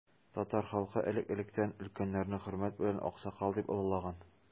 Татар халкы элек-электән өлкәннәрне хөрмәт белән аксакал дип олылаган.